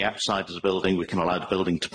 the outside of the building we can allow the building to